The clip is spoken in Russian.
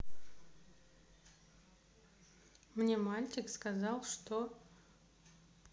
мне мальчик сказал что